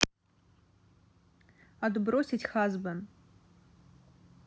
отбросить хазбен